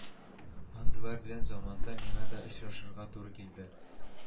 Андыйлар белән заманында миңа да очрашырга туры килде